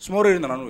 Sumaworo ye nana